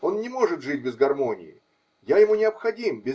Он не может жить без гармонии. Я ему необходим.